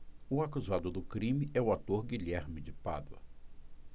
o acusado do crime é o ator guilherme de pádua